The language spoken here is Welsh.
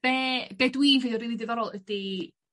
Be' be' dwi'n ffindo rili diddorol ydi